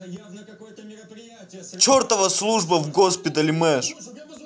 чертова служба в госпитале мэш